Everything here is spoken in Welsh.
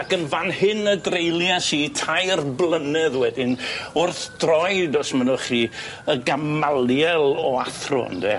Ac yn fan hyn y dreulies i tair blynedd wedyn wrth droed os mynnwch chi y gamaliel o athro ynde?